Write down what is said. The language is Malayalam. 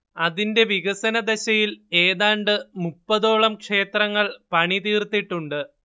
അതിന്റെ വികസനദശയിൽ ഏതാണ്ട് മുപ്പതോളം ക്ഷേത്രങ്ങൾ പണിതീർത്തിട്ടുണ്ട്